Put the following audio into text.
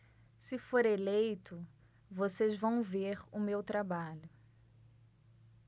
se for eleito vocês vão ver o meu trabalho